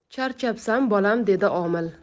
charchabsan bolam dedi omil